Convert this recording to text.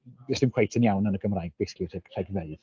jyst ddim cweit yn iawn yn y Gymraeg basically rheg- rhegfeydd.